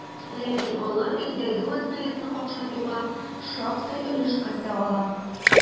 Ләкин алар илдәге вазгыятьне какшатуга шактый өлеш кертә ала.